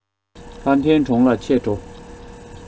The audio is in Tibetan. ལྷ ལྡན གྲོང ལ ཆས འགྲོ